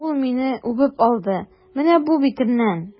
Ул мине үбеп алды, менә бу битемнән!